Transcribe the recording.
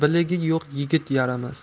biligi yo'q yigit yaramas